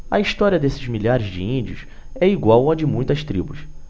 a história desses milhares de índios é igual à de muitas tribos